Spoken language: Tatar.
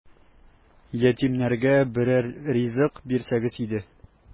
Ятимнәргә берәр ризык бирсәгез иде! ..